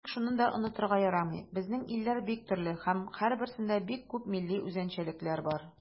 Тик шуны да онытырга ярамый, безнең илләр бик төрле һәм һәрберсендә бик күп милли үзенчәлекләр бар.